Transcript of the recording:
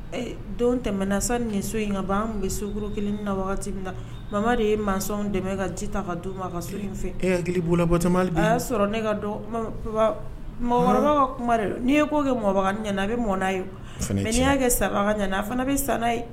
Don tɛm sa ni so in nka'an bɛ so g kelen na wagati min na mama de ye mansa dɛmɛ ka ji ta ka du u ma ka so in fɛ bolola a y'a sɔrɔ ne ka dɔn mɔgɔkɔrɔba ka kuma n'i ye ko kɛ a bɛ mɔnnaa ye ni y'a kɛ saba ɲana a fana bɛ san'a ye